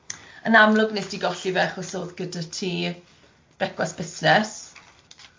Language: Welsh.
Yn amlwg wnes di golli fe chos odd gyda ti becwas busnes.